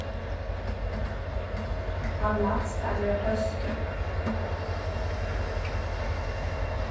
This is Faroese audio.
hann lætst at vera pøstur